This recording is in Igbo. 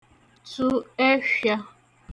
tụ ẹfhịa